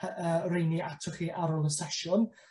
y y rheini atoch chi ar ôl y sesiwn.